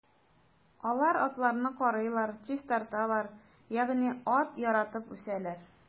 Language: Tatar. Алар атларны карыйлар, чистарталар, ягъни ат яратып үсәләр.